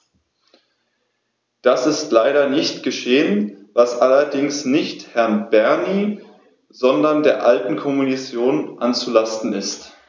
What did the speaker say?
Das ist leider nicht geschehen, was allerdings nicht Herrn Bernie, sondern der alten Kommission anzulasten ist.